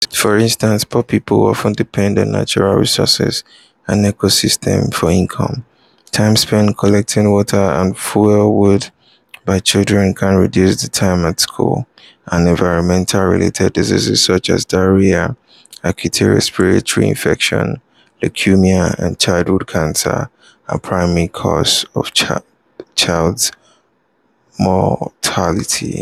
For instance, poor people often depend on natural resources and ecosystems for income; time spent collecting water and fuelwood by children can reduce the time at school; and environment-related diseases such as diarrhoea, acute respiratory infection, leukemia and childhood cancer are primary causes of child mortality.